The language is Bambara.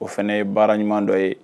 O fana ye baara ɲuman dɔ ye